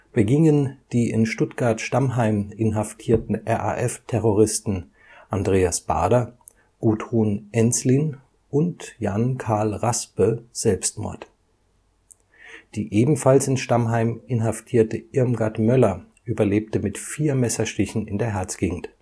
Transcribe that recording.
begingen die in Stuttgart-Stammheim inhaftierten RAF-Terroristen Andreas Baader, Gudrun Ensslin und Jan-Carl Raspe Selbstmord. Die ebenfalls in Stammheim inhaftierte Irmgard Möller überlebte mit vier Messerstichen in der Herzgegend